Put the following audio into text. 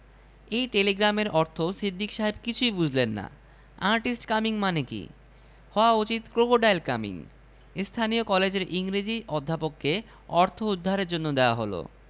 এই টেলিগ্রামের অর্থ সিদ্দিক সাহেব কিছুই বুঝলেন না আর্টিস্ট কামিং মানে কি হওয়া উচিত ক্রোকোডাইল কামিং স্থানীয় কলেজের ইংরেজীর অধ্যাপককে অর্থ উদ্ধারের জন্য দেয়া হল